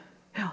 ja.